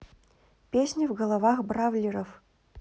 песни в головах бравлеров